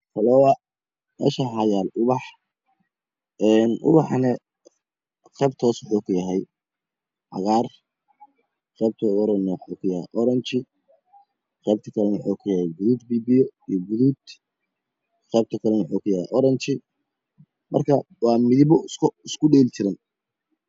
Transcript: Falower meeshaan waxa yaalo ubax een ubaxana qeybta hoose wuxuu ka yahay cagaar qaybta horana wuxuu ka yahay orange qaybta kalane wuxuu ka yahay guduud biyo biyo iyo guduud qayta kalane wuxuu kayahay orange marka waa midabo isku isku dheeli tiran